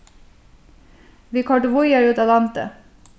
vit koyrdu víðari út á landið